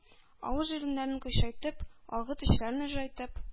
Авыз-иреннәрен кыйшайтып, алгы тешләрен ыржайтып